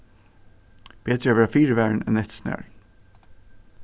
betri er at vera fyrivarin enn eftirsnarin